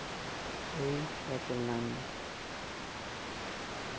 o'yin yakunlandi